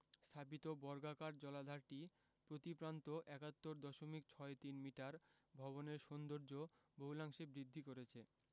স্থাপিত বর্গাকার জলাধারটি প্রতি প্রান্ত ৭১ দশমিক ছয় তিন মিটার ভবনের সৌন্দর্য বহুলাংশে বৃদ্ধি করেছে